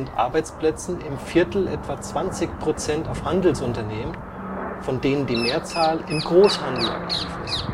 Arbeitsplätzen im Viertel etwa 20 Prozent auf Handelsunternehmen, von denen die Mehrzahl im Großhandel aktiv ist